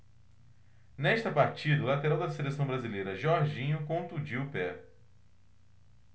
nesta partida o lateral da seleção brasileira jorginho contundiu o pé